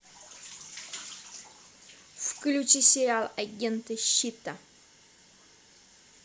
включи сериал агенты щита